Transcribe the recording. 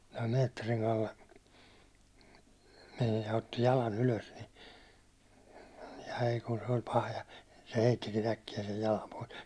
ja Meetterin Kalle meni ja otti jalan ylös niin ai kun se oli paha ja se heittikin äkkiä sen jalan pois